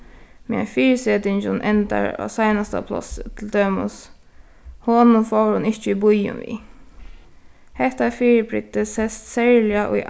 meðan fyrisetingin endar á plássi til dømis honum fór hon ikki í býin við hetta fyribrigdi sæst serliga í